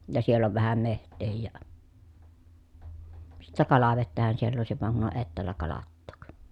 ja siellä on vähän metsääkin ja sitten kalavettähän siellä olisi vaan kun on etäällä kalattaa